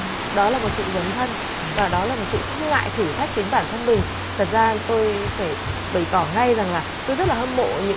đó là một sự dấn thân và đó là một sự không ngại thử thách chính bản thân mình thật ra tôi phải bày tỏ ngay rằng là tôi rất là hâm mộ những